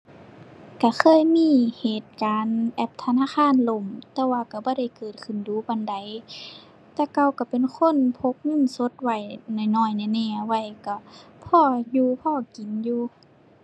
ก็เคยมีเหตุการณ์แอปธนาคารล่ม แต่ว่าก็บ่ได้เกิดขึ้นดู๋ปานใด แต่เก่าก็เป็นคนพกเงินสดไว้น้อยน้อยแน่แน่ไว้ ก็พออยู่ พอกินอยู่